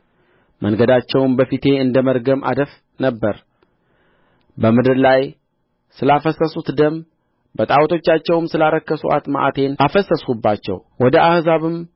መንገዳቸውም በፊቴ እንደ መርገም አደፍ ነበረ በምድር ላይ ስላፈሰሱት ደም በጣዖቶቻቸውም ስላረከሱአት መዓቴን አፈሰስሁባቸው ወደ አሕዛብም